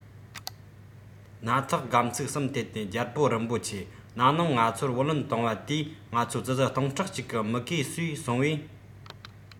སྣ ཐག སྒམ ཚིག གསུམ འཐེན ཏེ རྒྱལ པོ རིན པོ ཆེ ན ནིང ང ཚོར བུ ལོན བཏང བ དེས ང ཚོ ཙི ཙི སྟོང ཕྲག གཅིག གི མུ གེ གསོས སོང བས